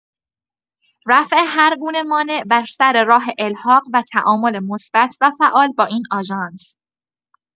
رفع هرگونه مانع بر سر راه الحاق و تعامل مثبت و فعال با این آژانس